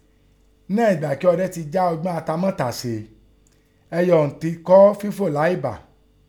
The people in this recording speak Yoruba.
Níhọ̀n ìgbà kí òde tẹ já ọgbọ́n àtamátàsè, ẹyẹ ọ̀ún tẹ kọ́ fífò láì bà.